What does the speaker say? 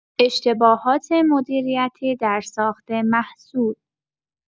اشتباهات مدیریتی در ساخت محصول